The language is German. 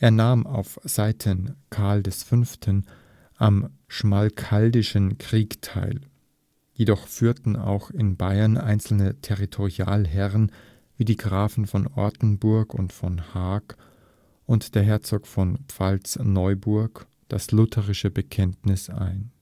nahm auf seiten Karls V. am Schmalkaldischen Krieg teil. Jedoch führten auch in Bayern einzelne Territorialherren wie die Grafen von Ortenburg und von Haag und der Herzog von Pfalz-Neuburg das lutherische Bekenntnis ein